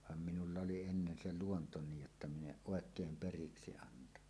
vaan minulla oli ennen se luonto niin jotta minä en oikein periksi antanut